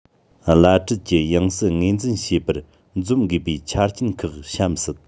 བླ སྤྲུལ གྱི ཡང སྲིད ངོས འཛིན བྱེད པར འཛོམས དགོས པའི ཆ རྐྱེན ཁག གཤམ གསལ